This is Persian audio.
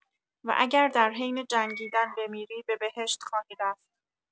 و اگر در حین جنگیدن بمیری به بهشت خواهی رفت!